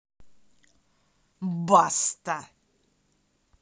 баста